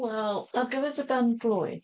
Wel, ar gyfer dy ben-blwydd...